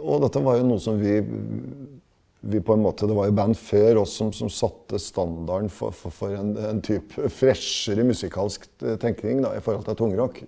og dette var jo noe som vi vi på en måte det var jo band før oss som som satte standarden for en en type freshere musikalsk tenkning da i forhold til tungrock.